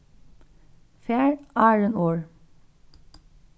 far áðrenn orð